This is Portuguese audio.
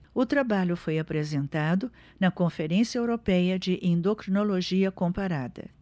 o trabalho foi apresentado na conferência européia de endocrinologia comparada